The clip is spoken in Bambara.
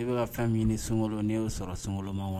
I bɛ ka ka fɛn min ɲini sunkalo, n'i y'o sɔrɔ sunkalomakɔnɔn